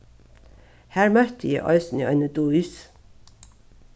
har møtti eg eisini eini dís